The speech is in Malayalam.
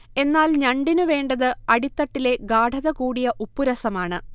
എന്നാൽ ഞണ്ടിനു വേണ്ടത് അടിത്തട്ടിലെ ഗാഢത കൂടിയ ഉപ്പുരസമാണ്